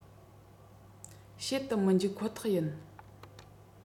བྱེད དུ མི འཇུག ཁོ ཐག ཡིན